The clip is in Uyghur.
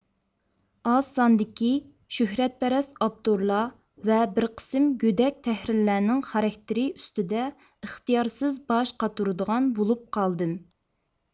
ئاز ساندىكى شۆھرەتپەرەس ئاپتورلار ۋە بىر قىسىم گۆدەك تەھرىرلەرنىڭ خاراكتېرى ئۈستىدە ئىختىيارسىز باش قاتۇرىدىغان بولۇپ قالدىم